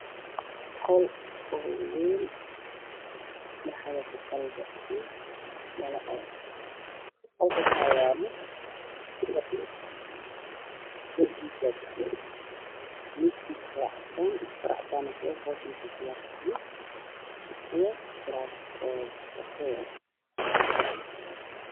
Waxa ii muuqda qol ay yaalan fadhi midabkiisu yahay buluug iyo kursi kale oo fadhiyaan ah qolka waxaa yaalo dhalo waxaa laga daawado wararka iyo ciyaaraha